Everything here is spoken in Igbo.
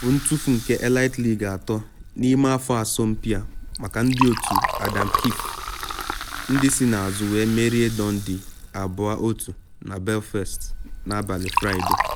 Ọ bụ ntufu nke Elite League atọ n’ime afọ asọmpi a maka ndị otu Adam Keefe ndị si n’azụ wee merie Dundee 2-1 na Belfast n’abalị Fraịde.